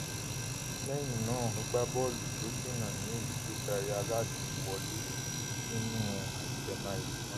Lẹ́yìn náà ó gbá bọ́ọ̀lù tó jiná ní èyí tó darí Hazard wọlé sínú àyè pẹnáritì náà.